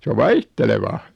se on vaihtelevaa